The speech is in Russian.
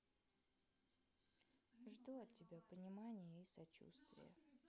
жду от тебя понимание и сочувствие